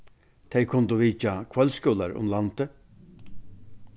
tey kundu vitjað kvøldskúlar um landið